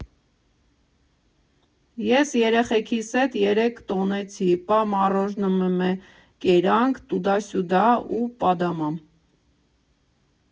Ես էրեխեքիս հետ էրեկ տոնեցի՝ պա մառոժնըմու կերանք, տուդա֊սուդա ու պադամամ։